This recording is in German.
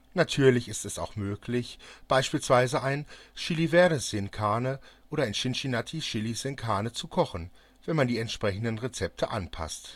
Natürlich ist es auch möglich, beispielsweise ein Chili Verde sin Carne oder ein Cincinnati Chili sin Carne zu kochen, wenn man die entsprechenden Rezepte anpasst